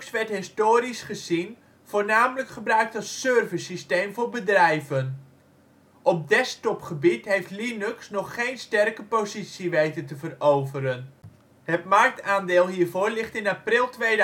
werd historisch gezien voornamelijk gebruikt als serversysteem voor bedrijven. Op desktopgebied heeft Linux nog geen sterke positie weten te veroveren. Het marktaandeel hiervoor ligt in april 2009